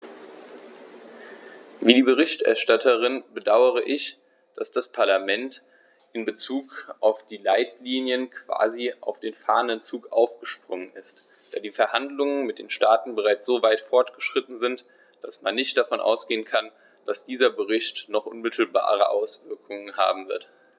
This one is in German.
Wie die Berichterstatterin bedaure ich, dass das Parlament in bezug auf die Leitlinien quasi auf den fahrenden Zug aufgesprungen ist, da die Verhandlungen mit den Staaten bereits so weit fortgeschritten sind, dass man nicht davon ausgehen kann, dass dieser Bericht noch unmittelbare Auswirkungen haben wird.